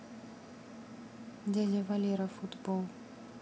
дядя валера футбол